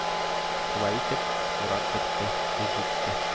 Шулай итеп, урак бетте, көз җитте